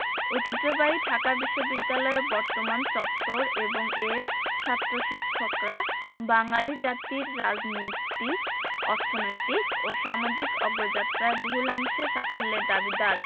ঐতিহ্যবাহী ঢাকা বিশ্ববিদ্যালয়ের বর্তমান চত্বর এবং এর ছাত্র শিক্ষকরা বাঙালি জাতির রাজনীতি অর্থনৈতিক ও সামাজিক অগ্রযাত্রায় বহুলাংশে সাফল্যের দাবিদার